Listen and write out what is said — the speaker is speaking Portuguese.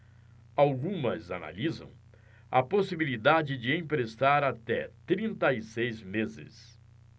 algumas analisam a possibilidade de emprestar até trinta e seis meses